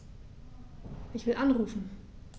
Ich will anrufen.